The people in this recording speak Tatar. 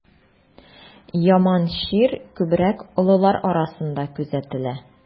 Яман чир күбрәк олылар арасында күзәтелә.